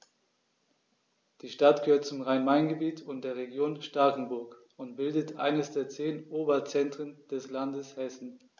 Die Stadt gehört zum Rhein-Main-Gebiet und der Region Starkenburg und bildet eines der zehn Oberzentren des Landes Hessen.